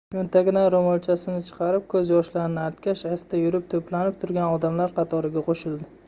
cho'ntagidan ro'molchasini chiqarib ko'z yoshlarini artgach asta yurib to'planib turgan odamlar qatoriga qo'shildi